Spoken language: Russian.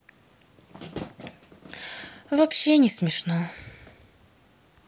вообще не смешно